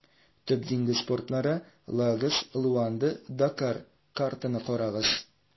Төп диңгез портлары - Лагос, Луанда, Дакар (картаны карагыз).